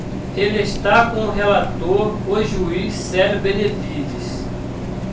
ele está com o relator o juiz célio benevides